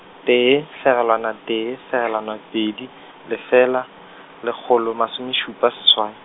tee fegelwana tee, fegelwana pedi, lefela, lekgolo masome šupa seswai.